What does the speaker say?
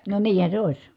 no niinhän se olisi